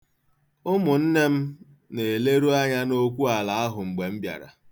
Ụmụnne m na-eleru anya n'okwu ala ahụ mgbe m bịara.